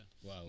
waaw